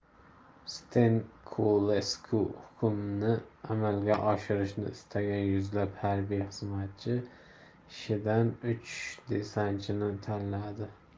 stenkulesku hukmni amalga oshirishni istagan yuzlab harbiy xizmatchi ichidan uch desantchini tanladi